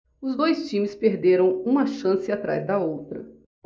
os dois times perderam uma chance atrás da outra